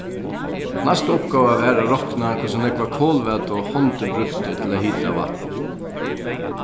næsta uppgáva var at rokna hvussu nógva kolvætu hondin brúkti til at hita vatnið